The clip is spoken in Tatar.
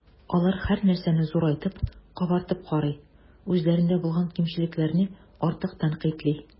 Алар һәрнәрсәне зурайтып, “кабартып” карый, үзләрендә булган кимчелекләрне артык тәнкыйтьли.